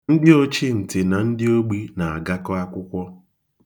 Ndị ochintị na ndị ogbi na-agakọ akwụkwọ.